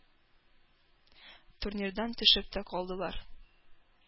Турнирдан төшеп тә калдылар.